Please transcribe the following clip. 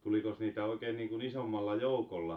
tulikos niitä oikein niin kuin isommalla joukolla